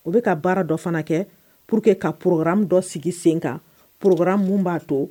U bɛka ka baara dɔ fana kɛ pour que ka porokraran min dɔ sigi sen kan porokraran minnu b'a to